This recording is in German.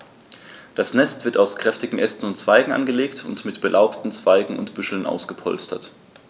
Das Nest wird aus kräftigen Ästen und Zweigen angelegt und mit belaubten Zweigen und Büscheln ausgepolstert.